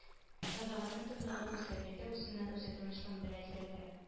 Табигатьнең тынлыгы гүзәллеге үзеннән-үзе тынычландыра изрәтә